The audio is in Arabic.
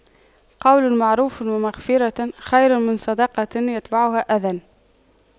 قَولٌ مَّعرُوفٌ وَمَغفِرَةُ خَيرٌ مِّن صَدَقَةٍ يَتبَعُهَا أَذًى